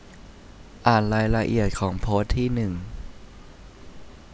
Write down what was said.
อ่านรายละเอียดของโพสต์ที่หนึ่ง